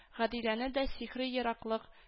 Гадиләне дә сихри ераклык